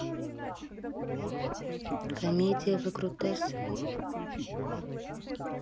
комедия выкрутасы